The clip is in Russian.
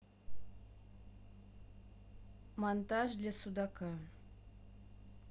монтаж для судака